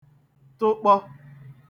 tụkpọ